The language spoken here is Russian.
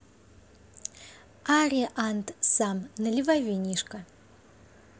ari and sam наливай винишко